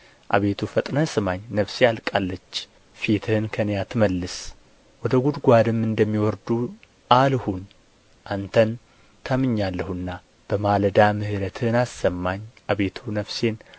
አቤቱ ፈጥነህ ስማኝ ነፍሴ አልቃለች ፊትህን ከኔ አትመልስ ወደ ጕድጓድም እንደሚወርዱ አልሁን አንተን ታምኛለሁና በማለዳ ምሕረትህን አሰማኝ አቤቱ ነፍሴን